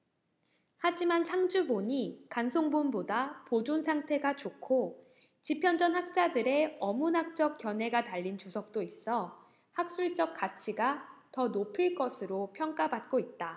하지만 상주본이 간송본보다 보존 상태가 좋고 집현전 학자들의 어문학적 견해가 달린 주석도 있어 학술적 가치가 더 높을 것으로 평가받고 있다